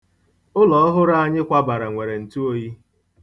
Ụlọ ọhụrụ anyị kwabara nwere ntụoyi.